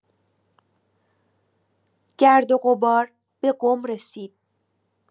گرد و غبار به قم رسید.